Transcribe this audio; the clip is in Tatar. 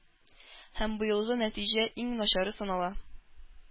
Һәм быелгы нәтиҗә иң начары санала.